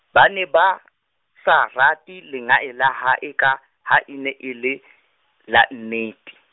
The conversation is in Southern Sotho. ba ne ba sa rate lengae la hae, ka ha e ne e le la nnete.